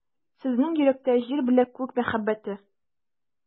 Сезнең йөрәктә — Җир белә Күк мәхәббәте.